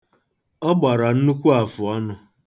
Ọ gbara nnukwu afụọnụ.